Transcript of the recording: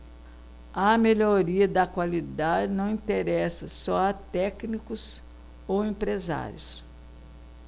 a melhoria da qualidade não interessa só a técnicos ou empresários